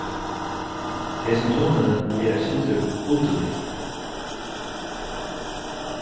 hesin tunnilin er eitt sindur hulduligur